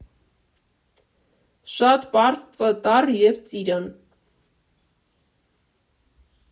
Շատ պարզ՝ Ծ տառ և ծիրան։